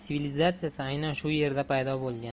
sivilizatsiyasi aynan shu yerda paydo bo'lgan